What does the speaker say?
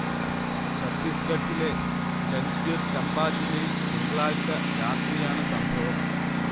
ചത്തീസ്ഗഢിലെ ജഞ്ച്ഗിർ ചമ്പ ജില്ലയിൽ തിങ്കളാഴ്ച്ച രാത്രിയാണ് സംഭവം